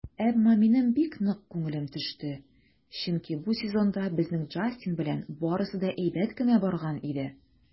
Әмма минем бик нык күңелем төште, чөнки бу сезонда безнең Джастин белән барысы да әйбәт кенә барган иде.